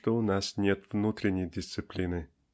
что у нас нет внутренней дисциплины.